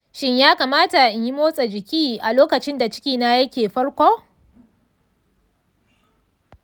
shin ya kamata in yi motsa jiki a lokacin da cikina yake fanko?